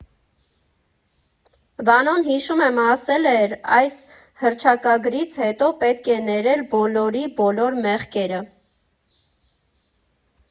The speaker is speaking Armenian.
Վանոն, հիշում եմ, ասել էր՝ այս հռչակագրից հետո պետք է ներել բոլորի բոլոր մեղքերը։